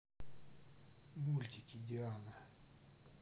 мультики диана